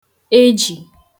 ejì